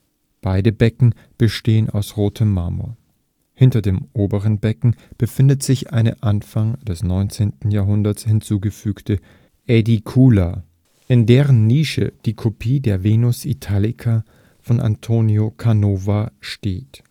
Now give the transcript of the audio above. Beide Becken bestehen aus rotem Marmor. Hinter dem oberen Becken befindet sich eine Anfang des 19. Jahrhunderts hinzugefügte Ädikula, in deren Nische die Kopie der Venus italica von Antonio Canova steht